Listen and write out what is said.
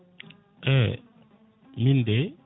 e min de